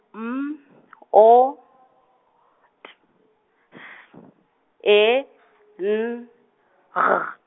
M O T S E N G.